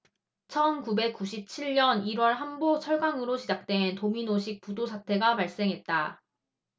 천 구백 구십 칠 년 일 월 한보 철강으로 시작된 도미노식 부도 사태가 발생했다